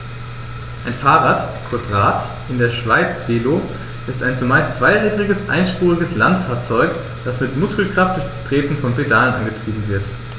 Ein Fahrrad, kurz Rad, in der Schweiz Velo, ist ein zumeist zweirädriges einspuriges Landfahrzeug, das mit Muskelkraft durch das Treten von Pedalen angetrieben wird.